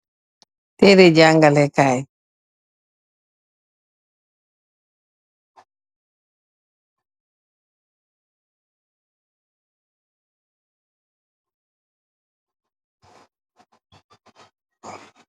Terey janga ley kay